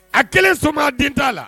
A kelen so' den t'a la